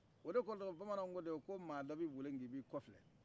o de kɔsɔ bamananw ko ten ko ma dɔ bi bili nga i b'i kɔfilɛ